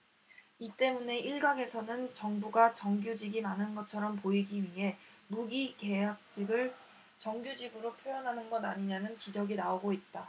이 때문에 일각에서는 정부가 정규직이 많은 것처럼 보이기 위해 무기계약직을 정규직으로 표현하는 것 아니냐는 지적이 나오고 있다